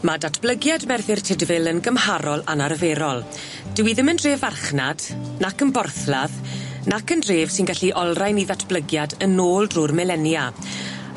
Ma' datblygiad Merthyr Tydfil yn gymharol anarferol. Dyw 'i ddim yn dref farchnad, nac yn borthladd nac yn dref sy'n gallu olrain 'i ddatblygiad yn ôl drw'r milenia.